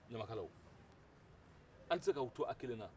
ɲamakalaw an fɛnɛ tɛ se k'aw tɔ aw kelenna